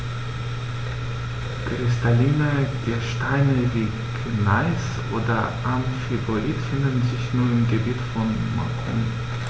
Kristalline Gesteine wie Gneis oder Amphibolit finden sich nur im Gebiet von Macun.